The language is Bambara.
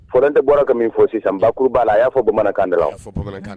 Falenta bɔra ka min fɔ sisan nbakuru ba la, a y'a fɔ bamanankan de la o, a y'a fɔ bmanka na.